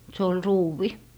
se oli ruuvi